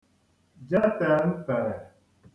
jetè ntèrè